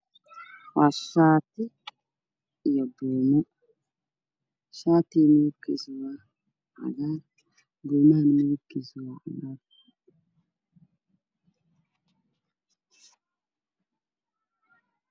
Waa shati io bumo shtiga midabkis waa cagar bumaha waa cagar